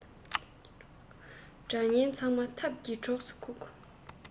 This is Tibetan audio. དགྲ གཉེན ཚང མ ཐབས ཀྱིས གྲོགས སུ ཁུག